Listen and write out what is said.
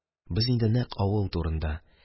Без инде нәкъ авыл турында